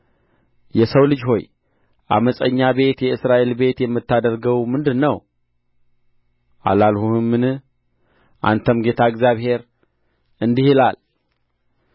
የሰው ልጅ ሆይ ዓመፀኛ ቤት የእስራኤል ቤት የምታደርገው ምንድር ነው አላሉህምን አንተም ጌታ እግዚአብሔር እንዲህ ይላል